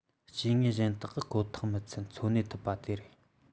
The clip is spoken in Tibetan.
སྐྱེ དངོས གཞན དག གིས ཁོ ཐག ཁོ ཐག མི འཚམ འཚོ གནས ཐུབ པ དེ རེད